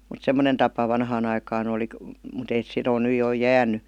mutta semmoinen tapa vanhaan aikaan oli mutta ei sitä ole nyt jo jäänyt